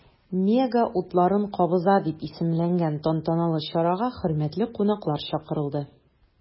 “мега утларын кабыза” дип исемләнгән тантаналы чарага хөрмәтле кунаклар чакырылды.